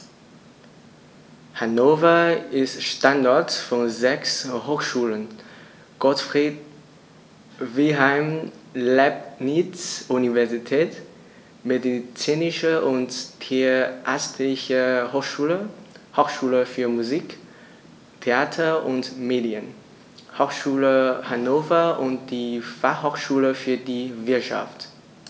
Hannover ist Standort von sechs Hochschulen: Gottfried Wilhelm Leibniz Universität, Medizinische und Tierärztliche Hochschule, Hochschule für Musik, Theater und Medien, Hochschule Hannover und die Fachhochschule für die Wirtschaft.